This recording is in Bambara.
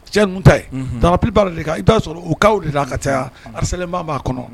Cɛ ninnu ta yen tanppiba deli k kan i t'a sɔrɔ u kaaw de la a ka caya salenba b'a kɔnɔ